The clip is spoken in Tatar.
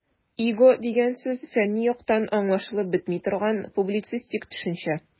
"иго" дигән сүз фәнни яктан аңлашылып бетми торган, публицистик төшенчә.